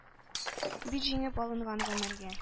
Бит җиңеп алынган гомергә.